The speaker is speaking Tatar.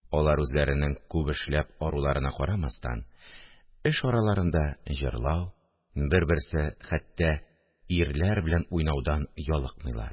Алар үзләренең күп эшләп аруларына карамастан, эш араларында җырлау, бер-берсе, хәтта ирләр белән уйнаудан ялыкмыйлар